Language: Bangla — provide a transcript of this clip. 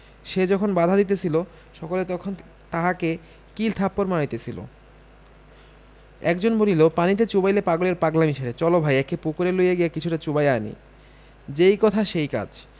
সে যখন বাধা দিতেছিল সকলে তখন তাহাকে কিল থাপ্পর মারিতেছিল একজন বলিল পানিতে চুবাইলে পাগলের পাগলামী সারে চল ভাই একে পুকুরে লইয়া গিয়া কিছুটা চুবাইয়া আনি যেই কথা সেই কাজ